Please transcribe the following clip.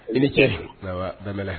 I ni ce babaa Danmɛlɛ